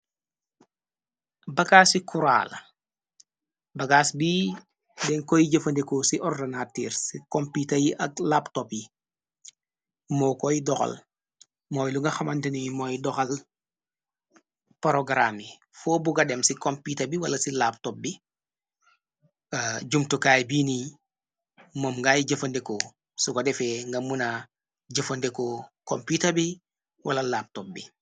Bagaas ci kuraala bagaas bi den koy jëfandekoo ci orronatur ci kompita yi ak laptop yi moo koy doxal mooy lunga xamandinu yu mooy doxal porogaraam yi foo bu nga dem ci kompita bi wala ci laptop bi jumtukaay biini moom ngaay jëfandeko su ko defee nga muna jëfandekoo kompita bi wala laptop bi.